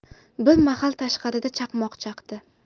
bir mahal tashqarida chaqmoq chaqdi